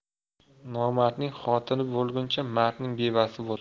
nomardning xotini bo'lguncha mardning bevasi bo'l